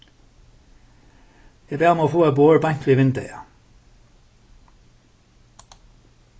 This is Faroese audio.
eg bað um at fáa eitt borð beint við vindeygað